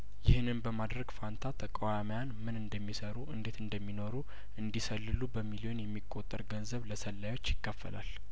ይህንን በማድረግ ፈንታ ተቃዋሚያን ምን እንደሚሰሩ እንዴት እንደሚኖሩ እንዲ ሰልሉ በሚሊዮን የሚቆጠር ገንዘብ ለሰላዮች ይከፈላል